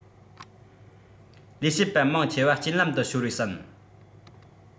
ལས བྱེད པ མང ཆེ བ རྐྱེན ལམ དུ ཤོར བའི ཟིན